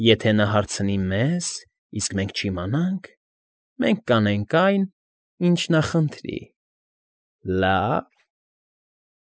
Եթ֊թե նա հարցնի մեզ֊զ֊զ, իսկ մենք չիմանանք, մենք կ֊կանենք այն, ինչ նա խնդրի, լ֊լ֊լա՞վ։